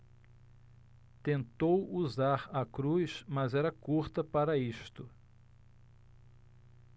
tentou usar a cruz mas era curta para isto